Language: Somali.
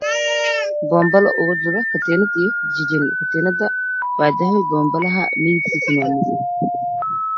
Boonbalo ugu jiro katiinad iyo jijin katiiinada waa dahabi boonbalaha midabkiisuna waa madow